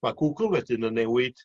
ma' Google wedyn yn newid